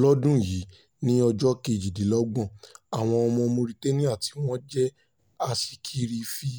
Lọ́dún yìí ni ọjọ́ kejìdínlọ́gbọ̀n, àwọn ọmọ Mauritania tí wọ́n jẹ́ aṣíkiri fi